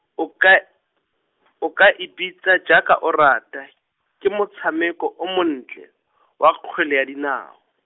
o ka, o ka a e bitsa jaaka o rata, ke motshameko o montle , wa kgwele ya dinao.